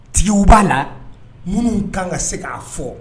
Tigiw b'a la minnu kan ka se k'a fɔ